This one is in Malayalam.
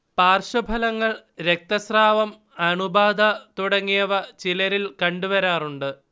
പാർശ്വഫലങ്ങൾ രക്തസ്രാവം, അണുബാധ തുടങ്ങിയവ ചിലരിൽ കണ്ടുവരാറുണ്ട്